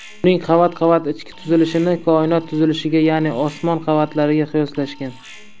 uning qavat qavat ichki tuzilishini koinot tuzilishiga ya'ni osmon qavatlariga qiyoslashgan